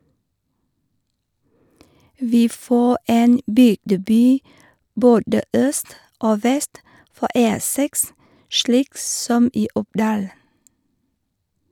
Vi får en bygdeby både øst og vest for E6, slik som i Oppdal.